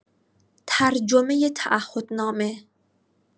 ترجمه تعهدنامه